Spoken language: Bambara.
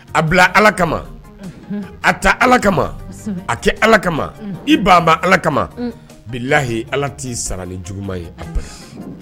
A bila ala kama a ta ala kama a tɛ ala kama i baba ala kama bi lahi ala t'i sara ni juguma ye ap